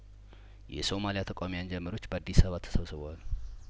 የሶማሊያተቃዋሚ አንጃ መሪዎች በአዲስ አባ ተሰባ ስበዋል